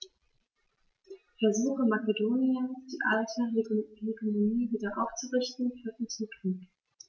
Versuche Makedoniens, die alte Hegemonie wieder aufzurichten, führten zum Krieg.